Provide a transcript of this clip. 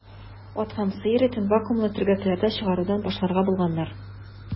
Ат һәм сыер итен вакуумлы төргәкләрдә чыгарудан башларга булганнар.